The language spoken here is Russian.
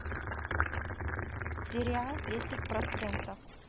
сериал десять процентов